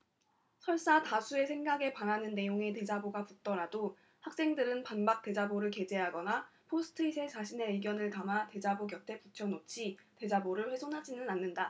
설사 다수의 생각에 반하는 내용의 대자보가 붙더라도 학생들은 반박 대자보를 게재하거나 포스트잇에 자신의 의견을 담아 대자보 곁에 붙여놓지 대자보를 훼손하지는 않는다